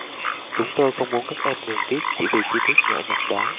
chúng tôi không muốn các em ngừng viết chỉ vì chi tiết nhỏ nhặt đó